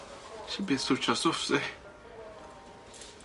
Sim byth twtsio stwff di.